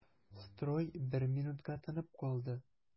Строй бер минутка тынып калды.